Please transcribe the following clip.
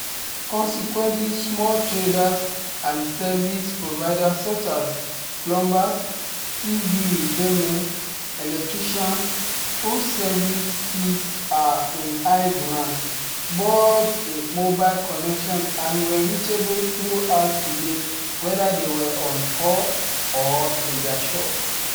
Consequently small traders and service providers such as plumbers / TV repairmen / electricians (whose services are in high demand) bought a mobile connection and were reachable throughout the day whether they were on call or in their shop.